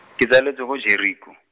ke tsaletswe kwa Jeriko.